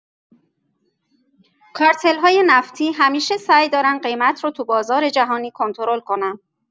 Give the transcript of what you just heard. کارتل‌های نفتی همیشه سعی دارن قیمت رو تو بازار جهانی کنترل کنن.